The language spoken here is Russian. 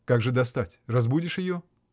— Как же достать: разбудишь ее?